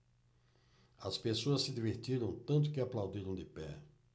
as pessoas se divertiram tanto que aplaudiram de pé